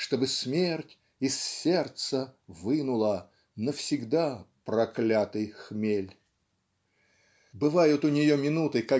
Чтобы смерть из сердца вынула Навсегда проклятый хмель бывают у нее минуты